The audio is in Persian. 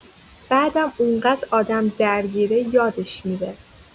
بعدم اونقدر آدم درگیره، یادش می‌ره.